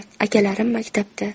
akalarim maktabda